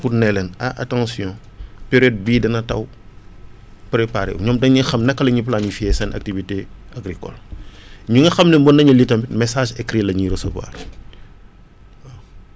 pour ne leen ah attention période bii dana taw préparer ñoom dañuy xam naka la ñuy planifier seen activité agricole ñu nga xam ne mën nañu lire tam message écrit la ñuy recevoir waaw